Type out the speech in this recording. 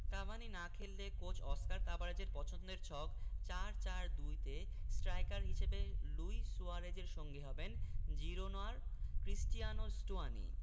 Cavani না খেললে coach Oscar তাবারেজের পছন্দের ছক ৪ ৪ ২ তে স্ট্রাইকার হিসেবে লুই সুয়ারেজের সঙ্গী হবেন জিরোনার ক্রিস্টিয়ান স্টুয়ানি